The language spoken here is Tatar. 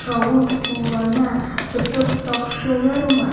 Шаул кулына тотып тапшырырмы?